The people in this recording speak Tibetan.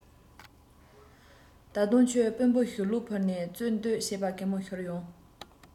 ད དུང ཁྱོད དཔོན པོར ཞུ ལོག ཕུལ ནས རྩོད འདོད བྱེད པ གད མོ ཤོར ཡོང